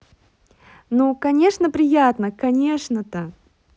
ну конечно приятно конечно то